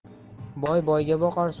boy boyga boqar